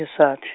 -isati.